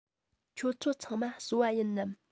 ཁྱོད ཚོ ཚང མ བཟོ པ ཡིན ནམ